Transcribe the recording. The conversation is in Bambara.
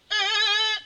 Ɛɛ